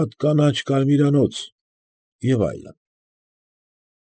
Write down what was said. Հատ կանաչ կարմիրանոց» և այլն։